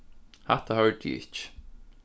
hatta hoyrdi eg ikki